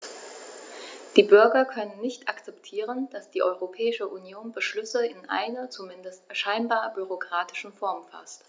Die Bürger können nicht akzeptieren, dass die Europäische Union Beschlüsse in einer, zumindest scheinbar, bürokratischen Form faßt.